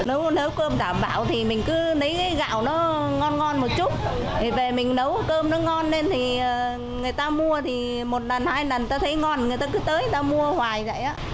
nếu nấu cơm đảm bảo thì mình cứ lấy gạo nó ngon ngon một chút thì về mình nấu cơm nó ngon nên thì người ta mua thì một lần hai lần ta thấy ngon thì người ta cứ tới người ta mua hoài vậy đó